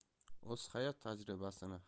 o'z hayot tajribasini har